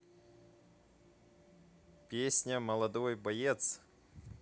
песня молодой боец